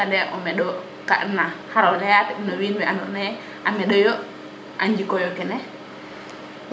kaga anda ye o meɗo ka ana xaro leya no wiin we ando naye a meɗa yo a njiko yo kene